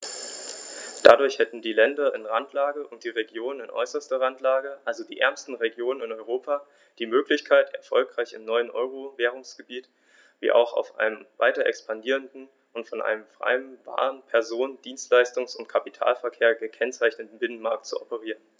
Dadurch hätten die Länder in Randlage und die Regionen in äußerster Randlage, also die ärmeren Regionen in Europa, die Möglichkeit, erfolgreich im neuen Euro-Währungsgebiet wie auch auf einem weiter expandierenden und von einem freien Waren-, Personen-, Dienstleistungs- und Kapitalverkehr gekennzeichneten Binnenmarkt zu operieren.